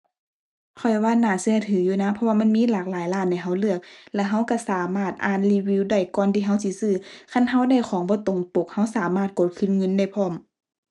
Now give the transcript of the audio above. ข้อยว่าน่าเชื่อถืออยู่นะ เพราะว่ามันมีหลากหลายร้านให้เชื่อเลือก แล้วเชื่อเชื่อสามารถอ่านรีวิวได้ ก่อนที่เชื่อสิซื้อ คันเชื่อได้ของบ่ตรงปก เชื่อสามารถกดคืนเงินได้พร้อม